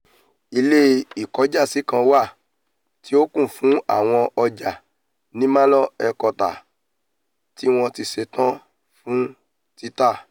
Ilé ìkọ́jàsí kan wà tí o kún fun àwọn ọjà ni Marlow HQ tí wọn ti ṣetán fun títà.''